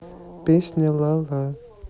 песня ла ла